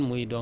dëgg la